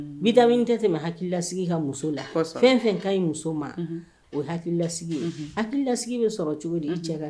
Bi da tɛ tɛmɛ hakililasigi ka muso la fɛn fɛn ka ɲi muso ma o ye hakililasigi ha hakililasigi bɛ sɔrɔ cogo di i cɛ